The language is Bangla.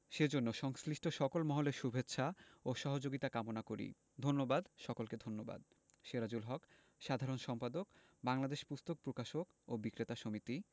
সেজন্য সংশ্লিষ্ট সকল মহলের শুভেচ্ছা ও সহযোগিতা কামনা করি ধন্যবাদ সকলকে ধন্যবাদ সেরাজুল হক সাধারণ সম্পাদক বাংলাদেশ পুস্তক প্রকাশক ও বিক্রেতা সমিতি